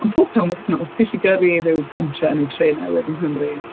Ond pob penwythnos ti'n gallu gyrru i rhyw pentre neu tre newydd yng Nghymru.